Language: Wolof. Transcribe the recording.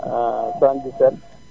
77